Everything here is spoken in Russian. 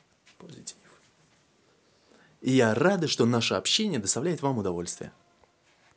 я рада что наше общение доставляет вам удовольствие